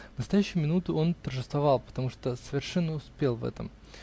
В настоящую минуту он торжествовал, потому что совершенно успел в этом.